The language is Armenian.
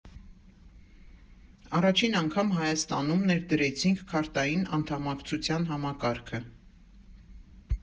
Առաջին անգամ Հայաստանում ներդրեցինք քարտային անդամակցության համակարգը։